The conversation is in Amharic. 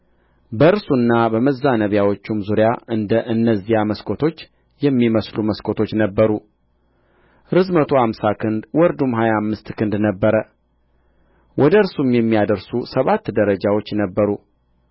በእርሱና በመዛነቢያዎቹም ዙሪያ እንደ እነዚያ መስኮቶች የሚመስሉ መስኮቶች ነበሩ ርዝመቱ አምሳ ክንድ ወርዱም ሀያ አምስት ክንድ ነበረ ወደ እርሱም የሚያደርሱ ሰባት ደረጃዎች ነበሩ